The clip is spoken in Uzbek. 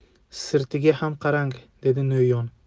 sirtiga ham qarang dedi no'yon